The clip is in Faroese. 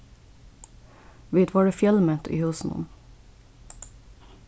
vit vóru fjølment í húsinum